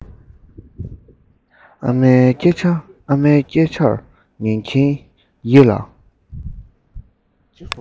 ཨ མའི སྐད ཆར ཉན གྱིན ཡིད ལ